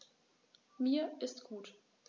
Mir ist gut.